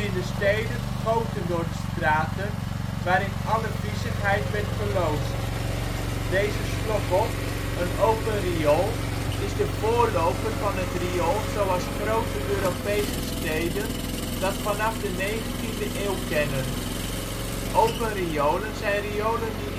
de steden goten door de straten waarin alle viezigheid werd geloosd. Deze slokop, een open riool, is de voorloper van het riool zoals grote Europese steden dat vanaf de 19e eeuw kennen. Open riolen zijn riolen die